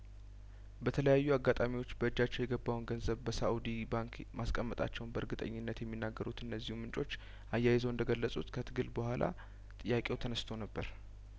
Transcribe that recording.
በተለያዩ አጋጣሚዎች በእጃቸው የገባውን ገንዘብ በሳኡዲ ባንክ ማስቀመጣቸውን በእርግጠኝነት የሚናገሩት እነዚሁ ምንጮች አያይዘው እንደገለጹት ከትግል በኋላ ጥያቄው ተነስቶ ነበር